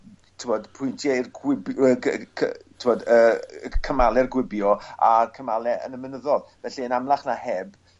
t'wbod pwyntie i'r gwib- wy- cy- cy- t'mod yy cymale'r gwibio a cymale yn y mynyddodd felly yn amlach na heb